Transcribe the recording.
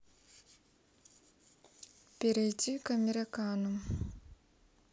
перейти к американо